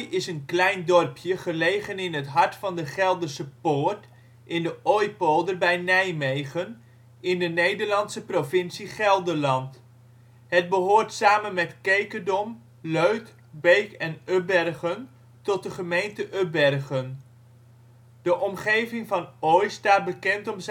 is een klein dorpje gelegen in het hart van de Gelderse Poort, in de Ooijpolder bij Nijmegen, in de Nederlandse provincie Gelderland. Het behoort samen met Kekerdom, Leuth, Beek en Ubbergen tot de gemeente Ubbergen. De omgeving van Ooij staat bekend om zijn